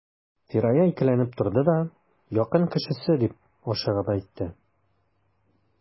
Фирая икеләнеп торды да: — Якын кешесе,— дип ашыгып әйтте.